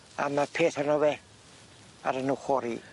A ma peth 'honno fe ar 'yn ochor i.